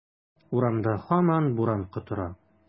Урамда һаман буран котыра.